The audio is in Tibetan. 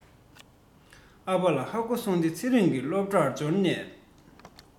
ཨ ཕ ལ ཧ གོ སོང ཚེ རིང སློབ གྲྭར འབྱོར ནས